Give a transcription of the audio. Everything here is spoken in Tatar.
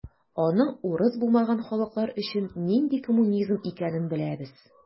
Аның урыс булмаган халыклар өчен нинди коммунизм икәнен беләбез.